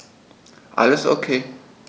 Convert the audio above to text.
Alles OK.